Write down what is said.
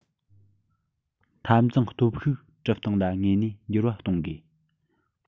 འཐབ འཛིང སྟོབས ཤུགས གྲུབ སྟངས ལ དངོས གནས འགྱུར བ གཏོང དགོས